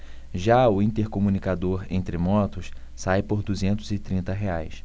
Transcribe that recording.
já o intercomunicador entre motos sai por duzentos e trinta reais